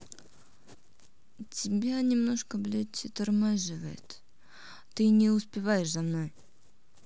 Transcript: тебя немножко блядь тормаживает ты не успеваешь за мной